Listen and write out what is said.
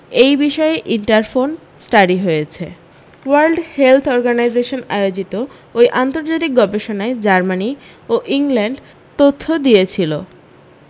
এ বিষয়ে Interphone study হয়েছে World Health Organisation আয়োজিত ওই আন্তর্জাতিক গবেষণায় জার্মানি ও ইংল্যান্ড তথ্য দিয়েছিল